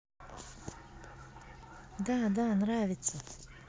да да нравится